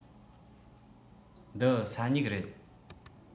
འདི ས སྨྱུག རེད